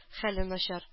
Хәле начар